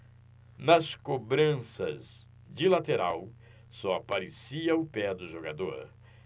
nas cobranças de lateral só aparecia o pé do jogador